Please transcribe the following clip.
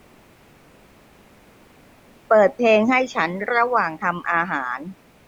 เปิดเพลงให้ฉันระหว่างทำอาหาร